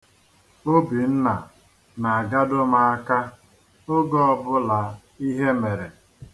Obinna na-agado m aka oge ọbụla ihe mere.